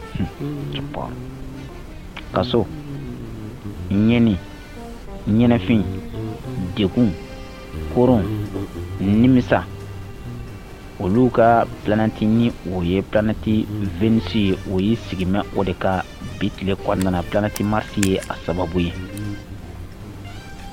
Ka so ɲani ɲɛnɛfin dekun kon nimisa olu ka pti ni o ye panati2si ye o ye sigilenmɛ o de ka biti kɔn ptima ye a sababu ye